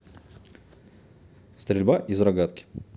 стрельба из рогатки